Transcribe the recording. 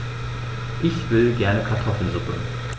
Ich will gerne Kartoffelsuppe.